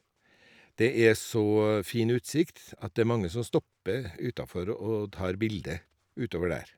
Det er så fin utsikt at det er mange som stopper utafor og tar bilde utover der.